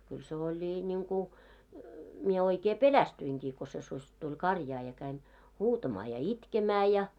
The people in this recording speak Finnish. kyllä se oli niin kuin minä oikein pelästyinkin kun se susi tuli karjaan ja kävin huutamaan ja itkemään ja